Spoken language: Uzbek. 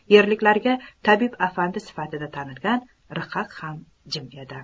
yerliklarga tabib afandi sifatida tanilgan rhaq ham jim edi